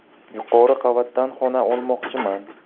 yuqori qavatdan xona olmoqchiman